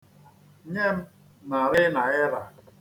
Nye m narị naịra.